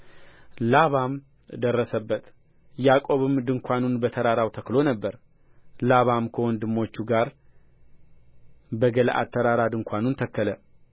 ላባም ደረሰበት ያዕቆብም ድንኳኑን በተራራው ተክሎ ነበር ላባም ከወንድሞቹ ጋር በገለዓድ ተራራ ድንኳኑን ተከለ